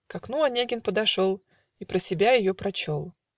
К окну Онегин подошел И про себя ее прочел.